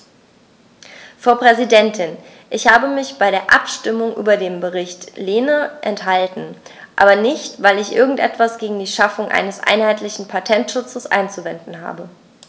Frau Präsidentin, ich habe mich bei der Abstimmung über den Bericht Lehne enthalten, aber nicht, weil ich irgend etwas gegen die Schaffung eines einheitlichen Patentschutzes einzuwenden habe.